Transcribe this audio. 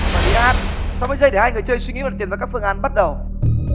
sáu mươi giây để hai người chơi suy nghĩ và đặt tiền vào các phương án bắt đầu